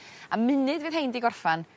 A munud fydd rhein 'di gorffan